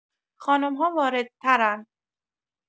خانم‌ها واردترن.